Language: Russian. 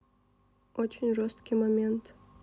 очень жесткий момент